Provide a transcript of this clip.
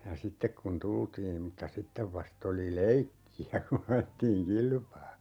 ja sitten kun tultiin mutta sitten vasta oli leikkiä kun ajettiin kilpaa